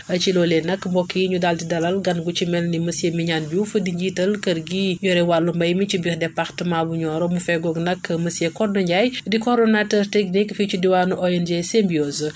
ci loolee nag mbokk yi ñu daal di dalal gan gu ci mel ni monsieur Mignane Diouf di njiital kër gii yore wàllu mbéy mi ci biir département bu nioro mu feggoog nag monsieur Codé Ndiaye di coordonnateur technique fii ci diwaanu ONG Symbiose